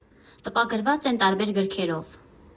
Տպագրված են տարբեր գրքերով։